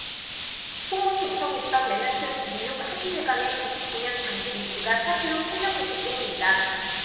소문이 무성했던 맨해튼 뉴욕한인회관의 구십 구 년 장기리스가 사실로 판명됐기때문이다